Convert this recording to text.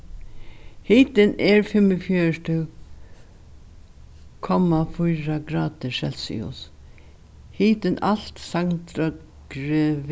hitin er fimmogfjøruti komma fýra gradir celsius hitin alt